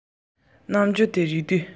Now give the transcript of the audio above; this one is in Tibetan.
རྣམ འགྱུར དེ མཐོང མ ཐག